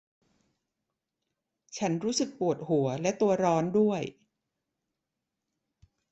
ฉันรู้สึกปวดหัวและตัวร้อนด้วย